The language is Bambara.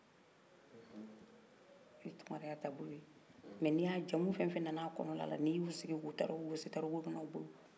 o de ye tunkaraya taa bolo ya mɛ n'i ya jamu fɛn o fɛn nana kɔnɔla la n'i sigi k'u tariku gosi tariku bɛn'u bolo ko nin bɛɛ bɔra tunkaraw kɔnɔla la